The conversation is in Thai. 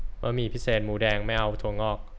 บะหมี่พิเศษหมูแดงไม่เอาถั่วงอก